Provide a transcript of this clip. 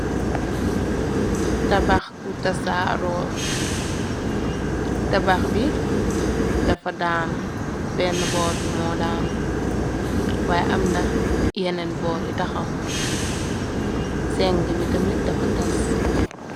Tabaxu tasaaro tabax bi dafa daanu benn boor bi moo daanu waaye amna yeneen boor yu taxaw senge bi tami dafa tas.